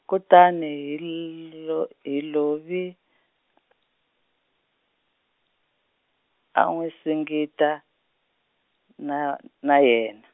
kutani hi lo-, hi loyi , a n'wi singita, na na yena.